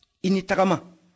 i ni tagama